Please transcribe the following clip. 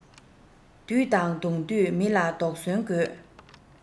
བདུད དང བསྡོངས དུས མི ལ དོགས ཟོན དགོས